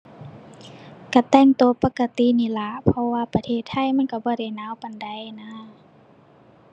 ก็แต่งก็ปกตินี้ล่ะ เพราะว่าประเทศไทยมันก็บ่ได้หนาวปานใดนะ